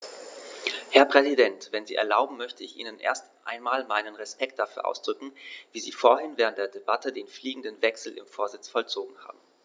Herr Präsident, wenn Sie erlauben, möchte ich Ihnen erst einmal meinen Respekt dafür ausdrücken, wie Sie vorhin während der Debatte den fliegenden Wechsel im Vorsitz vollzogen haben.